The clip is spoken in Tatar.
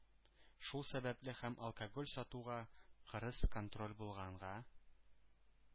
Шул сәбәпле һәм алкоголь сатуга кырыс контроль булганга